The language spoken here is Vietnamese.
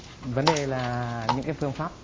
vấn đề là những cái phương pháp